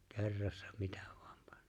kerrassa mitä vain panee